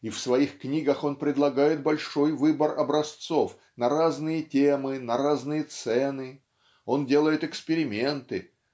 и в своих книгах он предлагает большой выбор образцов -- на разные темы на разные цены. Он делает эксперименты